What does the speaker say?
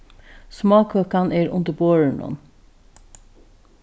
smákøkan er undir borðinum